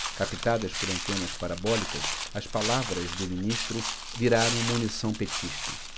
captadas por antenas parabólicas as palavras do ministro viraram munição petista